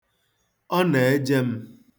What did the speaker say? Ọ na-eje m.